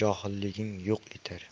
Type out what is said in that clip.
johilliging yo'q etar